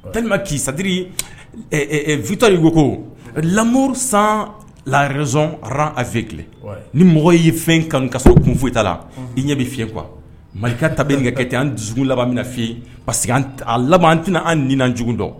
Ta k'i sadiri vitayi ko ko lamɔmuru san larezsonon ra a fɛti ni mɔgɔ y yei fɛn ka ka so kun foyi ta la i ɲɛ bɛ fi kuwa mali ta kɛ kɛ ten an dusu laban min na fi yen parce que a laban an tɛna an nian jugu dɔn